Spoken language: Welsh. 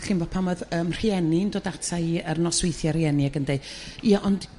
chi'mbo' pan o'dd yrm rhieni'n dod ata i ar nosweithie rhieni ag yn deu' ie ond